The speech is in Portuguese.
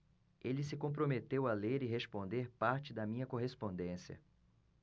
ele se comprometeu a ler e responder parte da minha correspondência